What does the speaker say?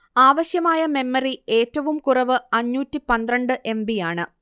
ആവശ്യമായ മെമ്മറി ഏറ്റവും കുറവ് അഞ്ഞൂറ്റി പന്ത്രണ്ട് എം ബി യാണ്